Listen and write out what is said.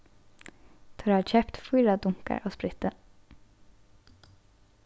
teir hava keypt fýra dunkar av spritti